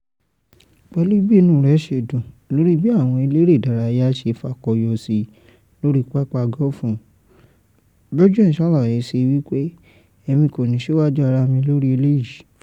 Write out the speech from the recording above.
Pẹ̀lú bí inú rẹ̀ ṣe dùn lórí i bí àwọn elére ìdárayá rẹ̀ ṣe fakọyọ sí lórí pápá gọ́ọ̀fù, Bjorn ṣàláyè sí wípé: "Èmi kò ní síwájú ara mi lórí eléyìí.